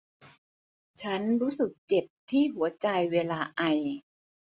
ฉันรู้สึกเจ็บที่หัวใจเวลาไอ